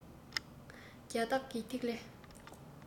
རྒྱ སྟག གི ཐིག ལེ